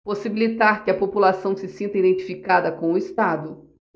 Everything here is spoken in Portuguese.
possibilitar que a população se sinta identificada com o estado